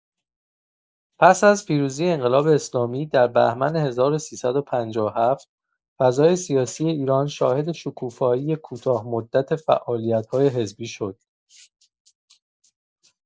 پس از پیروزی انقلاب اسلامی در بهمن ۱۳۵۷، فضای سیاسی ایران شاهد شکوفایی کوتاه‌مدت فعالیت‌های حزبی شد.